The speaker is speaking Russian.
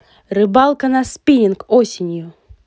рыбалка на спиннинг осенью